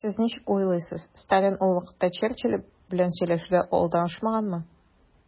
Сез ничек уйлыйсыз, Сталин ул вакытта Черчилль белән сөйләшүдә алдашмаганмы?